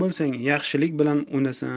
bo'lsang yaxshilik bilan unasan